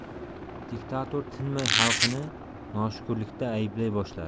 diktator tinmay xalqini noshukurlikda ayblay boshladi